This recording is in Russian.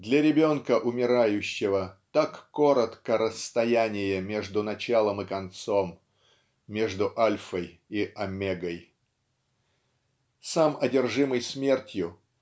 для ребенка умирающего так коротко расстояние между началом и концом между альфой и омегой. Сам одержимый смертью